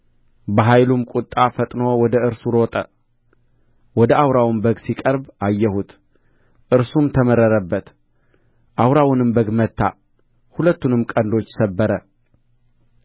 በኃይሉም ቍጣ ፈጥኖ ወደ እርሱ ሮጠ ወደ አውራውም በግ ሲቀርብ አየሁት እርሱም ተመረረበት አውራውንም በግ መታ ሁለቱንም ቀንዶች ሰበረ